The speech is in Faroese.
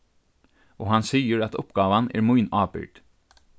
og hann sigur at uppgávan er mín ábyrgd